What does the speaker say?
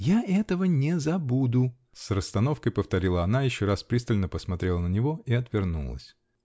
-- Я этого не забуду, -- с расстановкой повторила она, еще раз пристально посмотрела на него и отвернулась.